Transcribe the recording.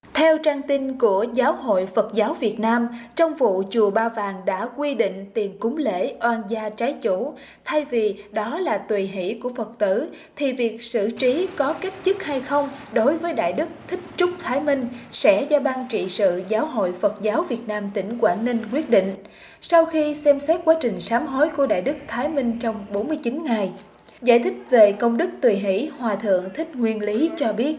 theo trang tin của giáo hội phật giáo việt nam trong vụ chùa ba vàng đã quy định tiền cúng lễ oan gia trái chủ thay vì đó là tùy hỷ của phật tử thì việc xử trí có cách chức hay không đối với đại đức thích trúc thái minh sẽ cho ban trị sự giáo hội phật giáo việt nam tỉnh quảng ninh quyết định sau khi xem xét quá trình sám hối của đại đức thái minh trong bốn mươi chín ngày giải thích về công đức tùy hỷ hòa thượng thích nguyên lý cho biết